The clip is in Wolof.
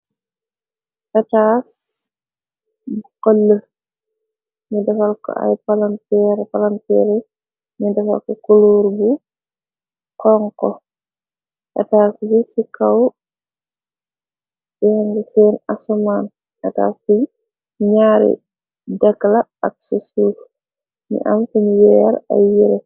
Etaas bu xële, nyu defal ko ay palanteer, palanteer yi nyu defal ko kuluur bu xonxu, etaas bi ci kaw yangi seen asamaan, etaas bi ñaari dekk la, ak si suuf mu am fuñu weer ay yere.